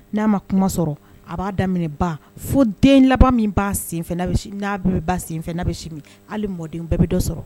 N'a ma kuma sɔrɔ a b'a daminɛba fo den laban min b'a senfɛ n'a bɛɛ ba senfɛ' bɛ si min hali mɔden bɛɛ bɛ dɔ sɔrɔ